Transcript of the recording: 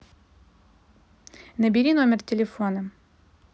набери номер телефона